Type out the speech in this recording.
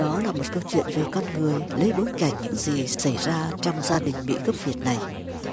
đó là một câu chuyện về con người lấy bối cảnh những gì xảy ra trong gia đình mỹ gốc việt này